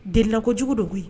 Delila ko jugu do koyi